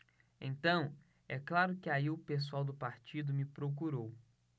então é claro que aí o pessoal do partido me procurou